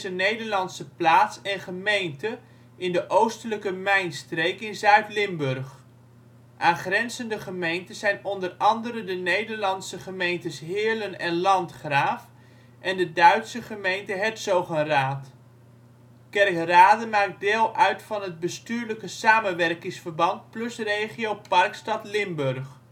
Nederlandse plaats en gemeente in de Oostelijke Mijnstreek in Zuid-Limburg. Aangrenzende gemeentes zijn onder andere de Nederlandse gemeentes Heerlen en Landgraaf en de Duitse gemeente Herzogenrath. Kerkrade maakt deel uit van het bestuurlijke samenwerkingsverband plusregio Parkstad Limburg